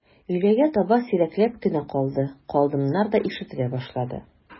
Өйләгә таба сирәкләп кенә «калды», «калдым»нар да ишетелә башлады.